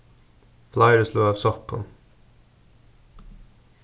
fleiri sløg av soppum